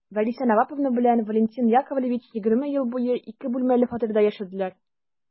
Вәриса Наваповна белән Валентин Яковлевич егерме ел буе ике бүлмәле фатирда яшәделәр.